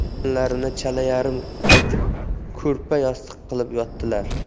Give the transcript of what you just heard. ko'rganlarini chalayarim aytib ko'rpa yostiq qilib yotdilar